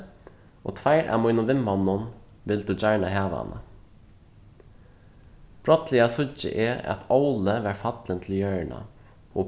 og tveir av mínum vinmonnum vildu gjarna hava hana brádliga síggi eg at óli var fallin til jørðina